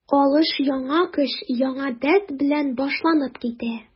Алыш яңа көч, яңа дәрт белән башланып китә.